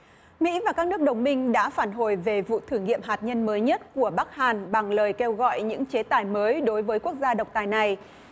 mỹ và các nước đồng minh đã phản hồi về vụ thử nghiệm hạt nhân mới nhất của bắc hàn bằng lời kêu gọi những chế tài mới đối với quốc gia độc tài này